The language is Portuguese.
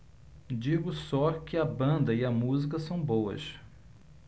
digo só que a banda e a música são boas